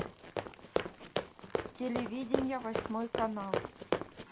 телевидение восьмой канал